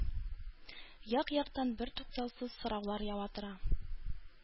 Як-яктан бертуктаусыз сораулар ява тора.